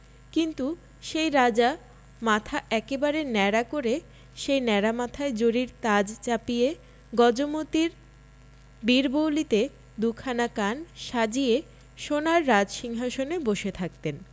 কিন্তু সেই রাজা মাথা একেবারে ন্যাড়া করে সেই ন্যাড়া মাথায় জরির তাজ চাপিয়ে গজমোতির বীরবৌলিতে দুখানা কান সাজিয়ে সোনার রাজসিংহাসনে বসে থাকতেন